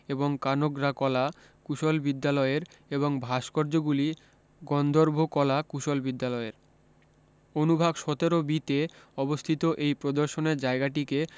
এবং কানগ্রা কলা কুশল বিদ্যালয়ের এবং ভাস্কর্যগুলি গন্ধর্ব কলা কুশল বিদ্যালয়ের অনুভাগ সতেরো বিতে অবস্থিত এই প্রদর্শনের জায়গাটিকে